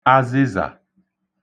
azịzà